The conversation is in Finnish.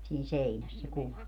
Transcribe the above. siinä seinässä se kuva